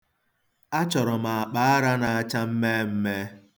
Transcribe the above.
Achọrọ m akpaara na-acha mmeemmee.